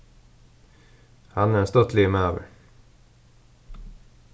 hann er ein stuttligur maður